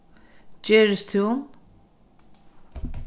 gerðistún